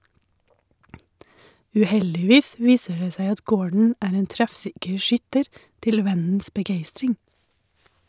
Uheldigvis viser det seg at Gordon er en treffsikker skytter, til vennens begeistring.